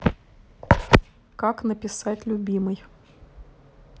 как написать любимой